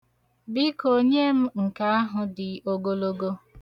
Biko nye m nke ahụ dị ogologo.